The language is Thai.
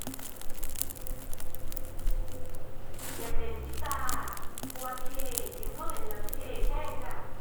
อยากเล่นกีตาร์ เพราะว่าเท่ เห็นเขาเล่นแล้วเท่แรงจ้า